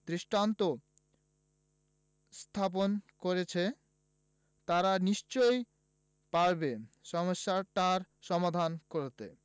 দৃষ্টান্ত স্থাপন করেছে তারা নিশ্চয়ই পারবে সমস্যাটার সমাধান করতে